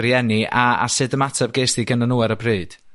rieni a a sud ymateb ges di genddyn nw ar y pryd?